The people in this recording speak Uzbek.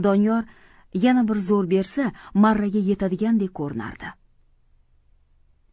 doniyor yana bir zo'r bersa marraga yetadigandek ko'rinardi